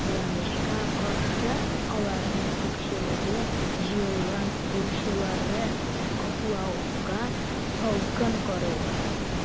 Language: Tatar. Кызганычка каршы, аларның күпчелеге җыелган бурычларын каплауга салкын карыйлар.